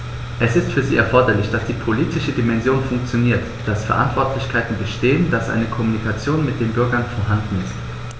Es ist für sie erforderlich, dass die politische Dimension funktioniert, dass Verantwortlichkeiten bestehen, dass eine Kommunikation mit den Bürgern vorhanden ist.